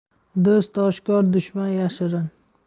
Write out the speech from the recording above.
do'st oshkor dushman yashirin